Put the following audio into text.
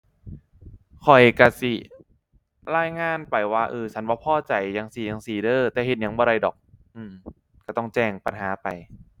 ข้อยก็สิรายงานไปว่า เอ้อ ฉันบ่พอใจจั่งซี้จั่งซี้เด้อ แต่เฮ็ดหยังบ่ได้ดอก อื้อ ก็ต้องแจ้งปัญหาไป